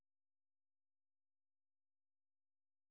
получить кредит